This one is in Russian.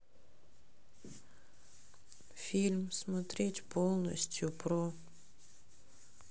фильм смотреть полностью про